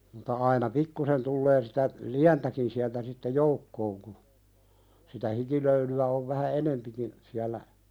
mutta aina pikkuisen tulee sitä lientäkin sieltä sitten joukkoon kun sitä hikilöylyä on vähän enempikin siellä